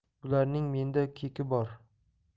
bularning menda keki bor